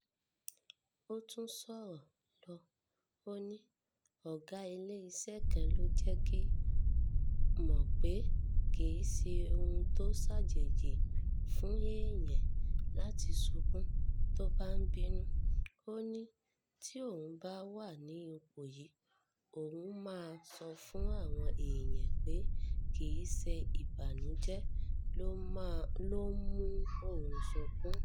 Ó tún sọ̀rọ̀ lọ. Ó ní,”Ọ̀gá ilé-iṣẹ́ kan ló jẹ́ ki i mò pé kì í ṣe ohun tó ṣàjèjì fún èèyàn láti sunkún tó bá ń binú. Ó ní tí òun bá wà ní ipò yí òun máa sọ fún àwọn èèyàn pé kì í se ìbànújẹ́ ló ń mú òun sọkún.